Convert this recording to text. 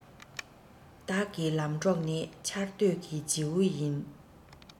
བདག གི ལམ གྲོགས ནི ཆར སྡོད ཀྱི བྱེའུ ཡིན